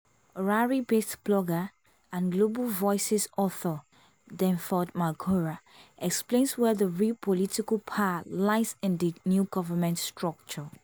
Harare based blogger and Global Voices Author, Denford Magora, explains where the real political power lies in the new government structure.